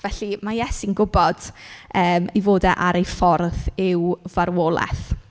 Felly ma' Iesu'n gwbod yym ei fod e ar ei ffordd i'w farwolaeth.